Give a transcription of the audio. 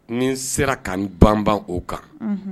Ni sera ka ban ban o kan